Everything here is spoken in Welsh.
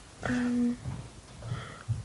Yym.